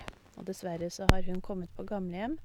Og dessverre så har hun kommet på gamlehjem.